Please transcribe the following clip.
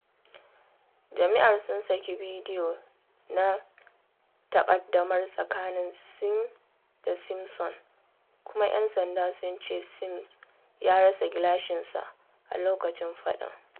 Jami’ai sun saki bidiyo na taƙardamar tsakanin Sims da Simpson, kuma ‘yan sanda sun ce Sims ya rasa gilashinsa a loƙacin faɗan.